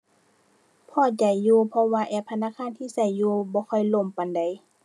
พอใจอยู่ เพราะว่าแอปธนาคารที่ใช้อยู่บ่ค่อยล่มปานใด